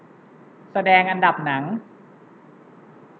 แสดงอันดับหนัง